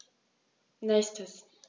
Nächstes.